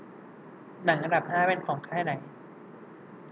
หนังอันดับห้าเป็นของค่ายไหน